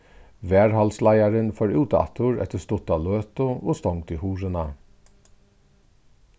varðhaldsleiðarin fór út aftur eftir stutta løtu og stongdi hurðina